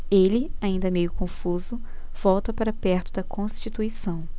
ele ainda meio confuso volta para perto de constituição